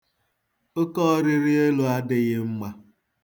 Oke ọrịrị elu adịghị mma.